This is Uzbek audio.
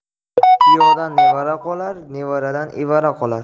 kuyovdan nevara qolar nevaradan evara qolar